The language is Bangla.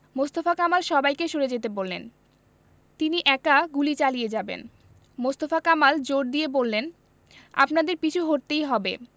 মোস্তফা কামাল সবাইকে সরে যেতে বললেন তিনি একা গুলি চালিয়ে যাবেন মোস্তফা কামাল জোর দিয়ে বললেন আপনাদের পিছু হটতেই হবে